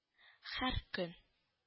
Һәр көн